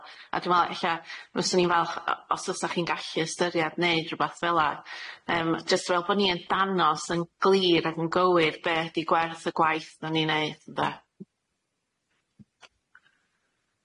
A dwi'n me'wl ella byswn i'n falch yy os fysach chi'n gallu ystyried neud rwbath fela yym jyst fel bo' ni yn danos yn glir ac yn gywir be ydi gwerth y gwaith da ni'n neud ynde?